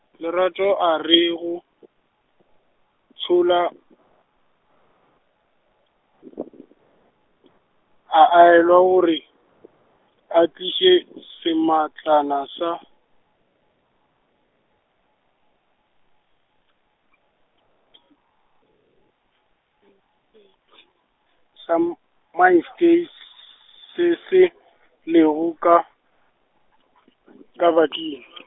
Lerato a re go, tšola, a a laelwa gore, a tliše semetlana sa, sa M-, Mainstays-, se se le go ka , ka baking .